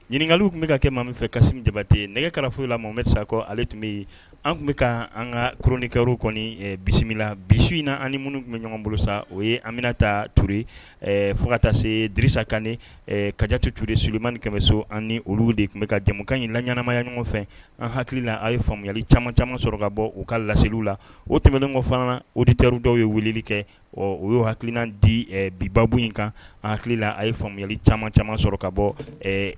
Ɲinka tun bɛ ka kɛ maa min fɛ kasi damabate nɛgɛkara foyi la ma bɛ sakɔ ale tun bɛ yen an tun bɛ ka an ka kinkɛro kɔni bisimila na bisiw inina ani minnu tun bɛ ɲɔgɔn bolo sa o ye anmina ta tuure fota se dsa kan kaditour surlima kɛmɛso ani olu de tun bɛ ka jamukan in layanamaya ɲɔgɔn fɛ an hakilila a ye faamuyayali caman caman sɔrɔ ka bɔ u ka laseliliw la o tɛmɛnen kɔ fana oditeruru dɔw ye wuli kɛ ɔ u y yeo hakilikiina di bibabu in kan hakilila a ye faamuyali caman caman sɔrɔ ka bɔ